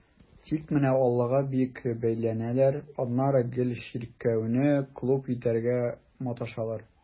Тик менә аллага бик бәйләнәләр, аннары гел чиркәүне клуб итәргә маташалар.